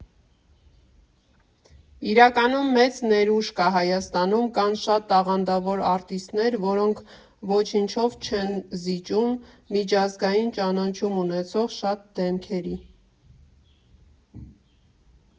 ֊ Իրականում մեծ ներուժ կա Հայաստանում, կան շատ տաղանդավոր արտիստներ, որոնք ոչնչով չեն զիջում միջազգային ճանաչում ունեցող շատ դեմքերի։